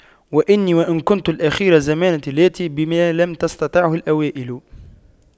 وإني وإن كنت الأخير زمانه لآت بما لم تستطعه الأوائل